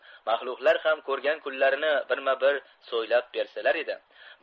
maxluqlar ham ko'rgan kunlarini birma bir so'ylab bersalar edi